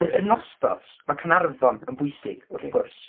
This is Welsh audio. Yn yn Nostos ma' Caernarfon yn bwysig wrth gwrs.